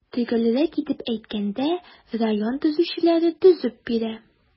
Төгәлрәк итеп әйткәндә, район төзүчеләре төзеп бирә.